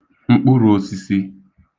mkpụrụ̄ōsīsī